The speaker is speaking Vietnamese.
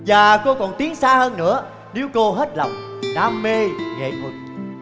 và cô còn tiến xa hơn nữa nếu cô hết lòng đam mê nghệ thuật